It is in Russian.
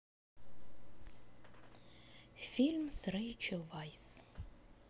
фильмы с рейчел вайс